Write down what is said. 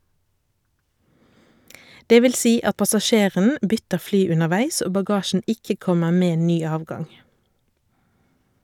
Det vil si at passasjeren bytter fly underveis og bagasjen ikke kommer med ny avgang.